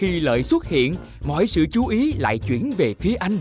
khi lợi xuất hiện mọi sự chú ý lại chuyển về phía anh